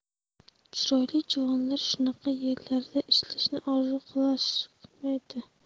chiroyli juvonlar shunaqa yerlarda ishlashni orzu qilishardi